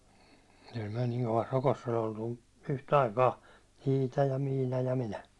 kyllä me niin kovassa rokossa oli oltu yhtä aikaa Iita ja Miina ja minä